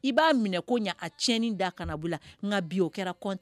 I b'a minɛ ko ɲɛ a tiɲɛni da kana bolo la bi o kɛra kɔn